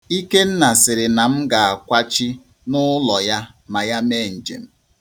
Ikenna sịrị na m ga-akwachi n'ụlọ ya ma ya mee njem.